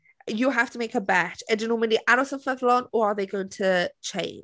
You have to make a bet ydyn nhw'n mynd i aros yn ffyddlon, or are they going to change?